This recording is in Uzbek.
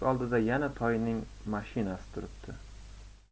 oldida yana toyning mashinasi turibdi